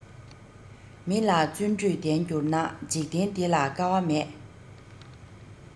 མི ལ བརྩོན འགྲུས ལྡན འགྱུར ན འཇིག རྟེན འདི ན དཀའ བ མེད